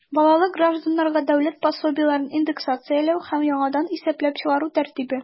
Балалы гражданнарга дәүләт пособиеләрен индексацияләү һәм яңадан исәпләп чыгару тәртибе.